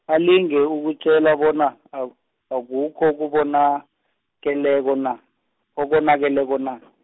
alinge ukutjela bona, a- akukho okubonakeleko na, okonakeleko na .